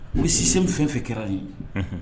U si min fɛn fɛ kɛra ye